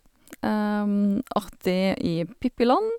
Artig i Pippiland.